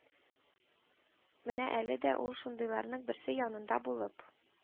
Менә әле дә ул шундыйларның берсе янында булып